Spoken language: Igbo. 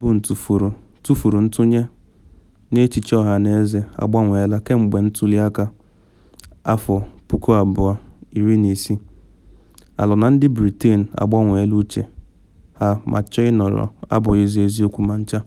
Maazị Boone tufuru ntụnye na echiche ọhaneze agbanweela kemgbe ntuli aka 2016: ‘Alo na ndị Britain agbanweela uche ha ma chọọ ịnọrọ abụghị eziokwu ma ncha.’